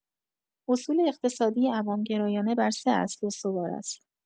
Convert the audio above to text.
اصول اقتصادی عوام‌گرایانه بر سه اصل استوار است.